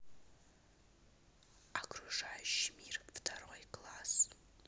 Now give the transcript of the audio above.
окружающий мир второй класс